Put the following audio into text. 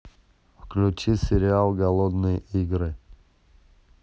включи сериал голодные игры